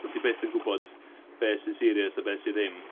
So ti byth yn gwbod be sy'n serious a be sy ddim.